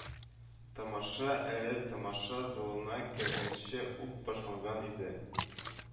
Тамаша әле тамаша залына кергәнче үк башланган иде